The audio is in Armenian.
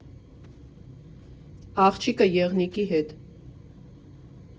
Աղջիկը եղնիկի հետ։